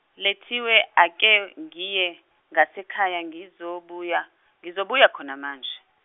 lethiwe ake ngiye ngasekhaya ngizobuya, ngizobuya khona manje.